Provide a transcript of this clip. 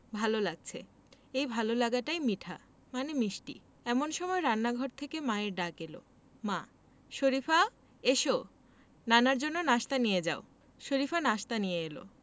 ভালো লাগছে এই ভালো লাগাটাই মিঠা মানে মিষ্টি এমন সময় রান্নাঘর থেকে মায়ের ডাক এলো মা শরিফা এসো নানার জন্য নাশতা নিয়ে যাও শরিফা নাশতা নিয়ে এলো